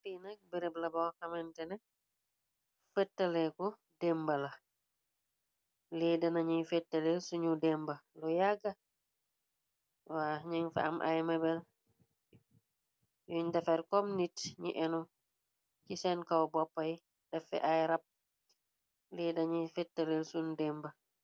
Fi nakpnekbereb la bo xamentene fettaleku demba la lee danañuy fetalel suñu demba lu yagga wa nëng fa am ay mebel yuñ defer kom nit ñi enu ci seen kow boppay defe ay rap lee dañuy fetalel sunu demba.